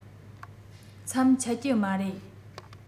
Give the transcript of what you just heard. མཚམས ཆད ཀྱི མ རེད